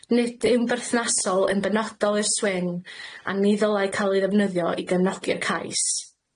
Nid yw'n berthnasol yn benodol i'r swing, a ni ddylai ca'l ei ddefnyddio i gefnogi'r cais.